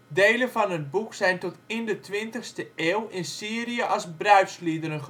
Delen van het boek zijn tot in de 20e eeuw in Syrië als bruidsliederen